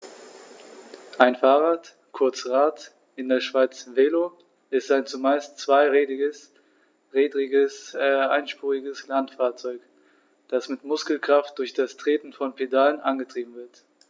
Ein Fahrrad, kurz Rad, in der Schweiz Velo, ist ein zumeist zweirädriges einspuriges Landfahrzeug, das mit Muskelkraft durch das Treten von Pedalen angetrieben wird.